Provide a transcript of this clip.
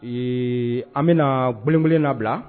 Ee an bɛna boli kelen na bila